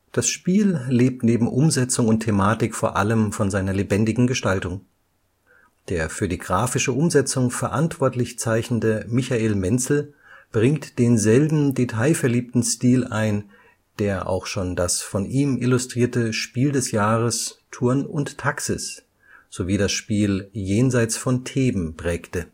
Das Spiel lebt neben Umsetzung und Thematik vor allem von seiner lebendigen Gestaltung. Der für die grafische Umsetzung verantwortlich zeichnende Michael Menzel bringt denselben detailverliebten Stil ein, der auch schon das von ihm illustrierte Spiel des Jahres Thurn und Taxis sowie das Spiel Jenseits von Theben prägte